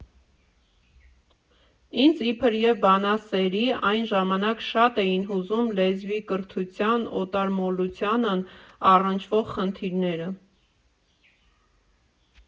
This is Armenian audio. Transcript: Ինձ, իբրև բանասերի, այն ժամանակ շատ էին հուզում լեզվի, կրթության, օտարամոլությանն առնչվող խնդիրները։